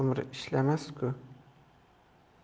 umr ishlamas ku